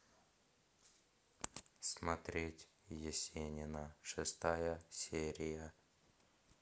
смотреть есенина шестая серия